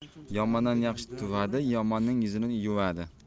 yomondan yaxshi tuvadi yomonning yuzini yuvadi